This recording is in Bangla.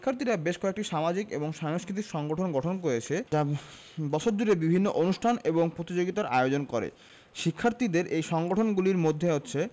শিক্ষার্থীরা বেশ কয়েকটি সামাজিক এবং সাংস্কৃতিক সংগঠন গঠন করেছে যা বছর জুড়েই বিভিন্ন অনুষ্ঠান এবং প্রতিযোগিতার আয়োজন করে শিক্ষার্থীদের এই সংগঠনগুলির মধ্যে আছে ক্লাব